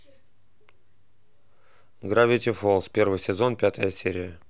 гравити фолз первый сезон пятая серия